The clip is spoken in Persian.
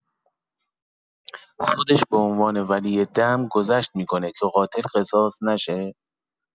خودش به عنوان ولی دم گذشت می‌کنه که قاتل قصاص نشه!